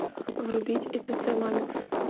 врубить итц мамикс